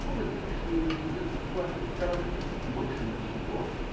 Будет лишняя низость с вашей стороны -- и больше ничего.